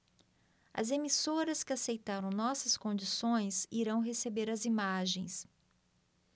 as emissoras que aceitaram nossas condições irão receber as imagens